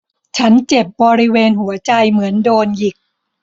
ฉันเจ็บบริเวณหัวใจเหมือนโดนหยิก